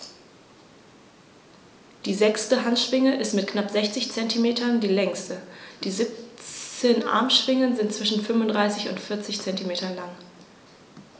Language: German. Die sechste Handschwinge ist mit knapp 60 cm die längste. Die 17 Armschwingen sind zwischen 35 und 40 cm lang.